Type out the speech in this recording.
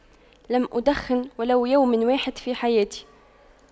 لم أدخن ولو يوم واحد في حياتي